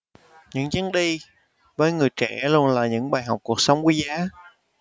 những chuyến đi với người trẻ luôn là những bài học cuộc sống quý giá